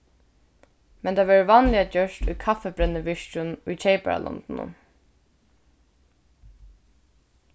men tað verður vanliga gjørt í kaffibrennivirkjum í keyparalondunum